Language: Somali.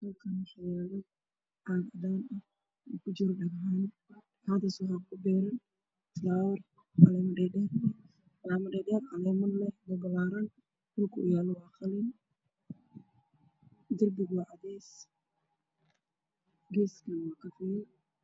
Halkan waxa yalo cag cadanah oo kujiro dhagaxan cagas waxa kuberan tala lamo dhardher caleemo leh oo balaran dhulkuwaQalin darbigu waa cades keskuna kafif